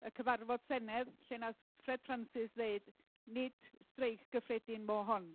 y cyfarfod Senedd, lle wnaeth Fred Francis ddeud, "nid streic gyffredin mohon".